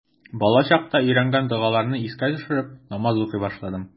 Балачакта өйрәнгән догаларны искә төшереп, намаз укый башладым.